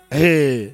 H